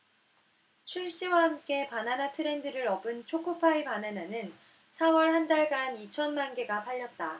출시와 함께 바나나 트렌드를 업은 초코파이 바나나는 사 월 한 달간 이천 만개가 팔렸다